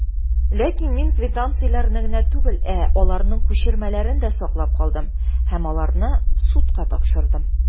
Ләкин мин квитанцияләрне генә түгел, ә аларның күчермәләрен дә саклап калдым, һәм аларны судка тапшырдым.